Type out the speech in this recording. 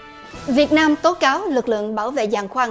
việt nam tố cáo lực lượng bảo vệ giàn khoan